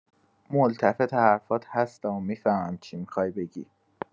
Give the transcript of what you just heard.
ملتفت حرفات هستم و می‌فهمم چی می‌خوای بگی.